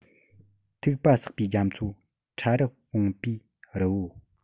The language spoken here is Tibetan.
ཐིགས པ བསགས པའི རྒྱ མཚོ ཕྲ རབ སྤུངས པའི རི བོ